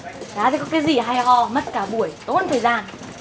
chả thấy có cái gì hay ho mất cả buổi tốn thời gian